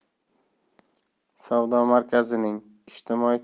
savdo markazining ijtimoiy